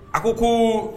A ko koo